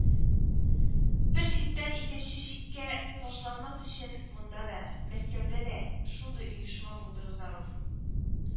Бер чиктән икенче чиккә ташланмас өчен монда да, Мәскәүдә дә шундый оешма булдыру зарур